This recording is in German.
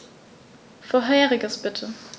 Vorheriges bitte.